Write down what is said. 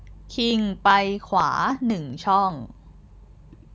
คิงไปขวาหนึ่งช่อง